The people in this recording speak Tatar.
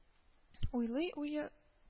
Улый-уе